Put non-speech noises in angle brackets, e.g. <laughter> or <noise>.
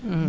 <hesitation> <hesitation>